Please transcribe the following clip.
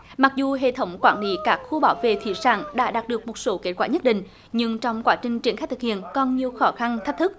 mặc dù hệ thống quản lý các khu bảo vệ thủy sản đã đạt được một số kết quả nhất định nhưng trong quá trình triển khai thực hiện còn nhiều khó khăn thách thức